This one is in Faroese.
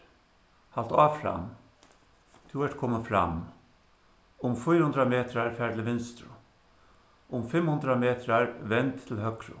halt áfram tú ert komin fram um fýra hundrað metrar far til vinstru um fimm hundrað metrar vend til høgru